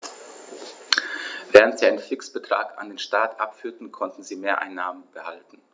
Während sie einen Fixbetrag an den Staat abführten, konnten sie Mehreinnahmen behalten.